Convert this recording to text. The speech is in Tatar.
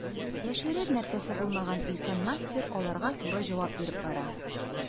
Яшерер нәрсәсе булмаган өлкән мастер аларга туры җавап биреп бара.